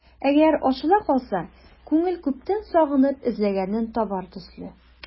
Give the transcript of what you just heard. Әгәр ачыла калса, күңел күптән сагынып эзләгәнен табар төсле...